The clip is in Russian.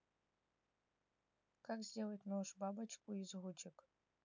как сделать нож бабочку из ручек